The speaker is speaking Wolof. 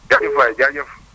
jaajëf waay jaajëf